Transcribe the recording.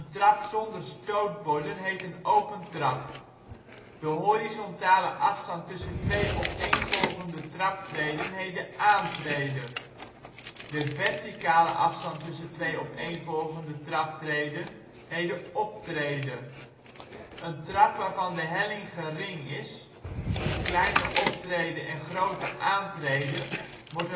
trap zonder stootborden heet een open trap. De horizontale afstand tussen 2 opeenvolgende traptreden heet de aantrede. De verticale afstand tussen 2 opeenvolgende traptreden heet de optrede. Een trap waarvan de helling gering is (kleine optrede en grote aantrede) wordt